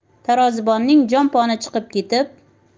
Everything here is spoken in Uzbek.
tarozibonning jon poni chiqib ketib